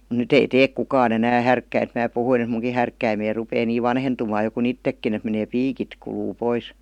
mutta nyt ei tee kukaan enää härkkäintä minä puhuin että minunkin härkkäimeni rupeaa niin vanhentumaan jo kuin itsekin että menee piikit kuluu pois